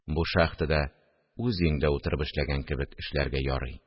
Бу шахтада үз өеңдә утырып эшләгән кебек эшләргә ярый